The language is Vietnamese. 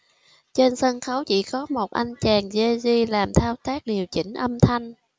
trên sân khấu chỉ có một anh chàng dj làm thao tác điều chỉnh âm thanh